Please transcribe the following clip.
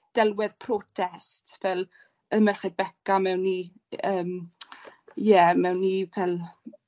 delwedd protest ffel yn Merched Beca mewn i yym ie mewn i ffel